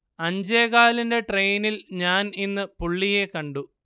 അഞ്ചേകാലിന്റെ ട്രെയിനിൽ ഞാൻ ഇന്ന് പുള്ളിയെ കണ്ടു